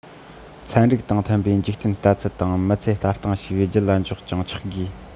ཚན རིག དང མཐུན པའི འཇིག རྟེན ལྟ ཚུལ དང མི ཚེ ལྟ སྟངས ཤིག རྒྱུད ལ འཇོག ཅིང ཆགས དགོས